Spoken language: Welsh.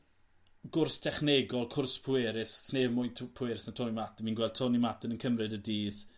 gwrs technegol cwrs pwerus sneb mwy tw- pwerus na Toni Martin fi'n gweld Toni Martin yn cymryd y dydd